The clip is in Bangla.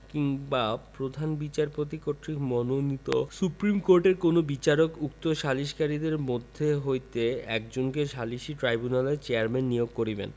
কিংবা প্রধান বিচারপতি কর্তৃক মানোনীত সুপ্রীম কোর্টের কোন বিচারক উক্ত সালিসকারীদের মধ্য হইতে একজনকে সালিসী ট্রাইব্যুনালের চেযারম্যান নিয়োগ করিবেন